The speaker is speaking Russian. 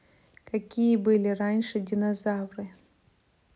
какие были раньше динозавры